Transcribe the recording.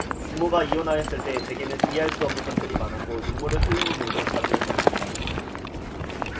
부모가 이혼하였을 때 제게는 이해할 수 없는 점들이 많았고 눈물을 흘리는 일도 자주 있었습니다